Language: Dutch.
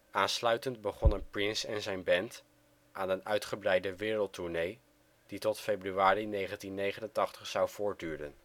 Aansluitend begonnen Prince en zijn band aan een uitgebreide wereldtournee die tot februari 1989 zou voortduren